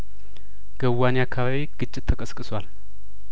ገዋኔ አካባቢ ግጭት ተቀስቅሷል